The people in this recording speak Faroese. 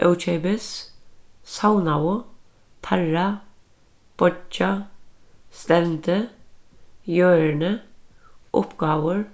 ókeypis savnaðu teirra boyggja stevndi jørðini uppgávur